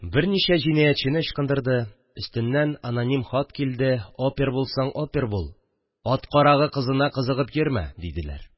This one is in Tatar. Берничә җинәятчене ычкындырды, өстеннән аноним хат килде, опер булсаң опер бул, ат карагы кызына кызыгып йөрмә, диделәр